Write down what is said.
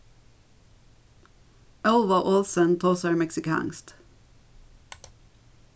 óluva olsen tosar meksikanskt